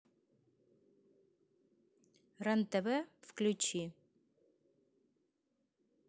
рен тв включи